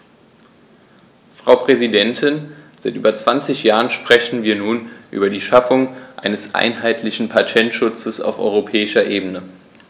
Frau Präsidentin, seit über 20 Jahren sprechen wir nun über die Schaffung eines einheitlichen Patentschutzes auf europäischer Ebene.